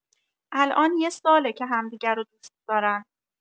الان یه ساله که همدیگه رو دوست دارن